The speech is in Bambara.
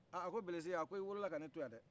a ko bilisi a ko i wolola ka ne to yan dɛhh